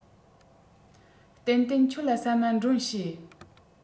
ཏན ཏན ཁྱོད ལ ཟ མ མགྲོན བྱེད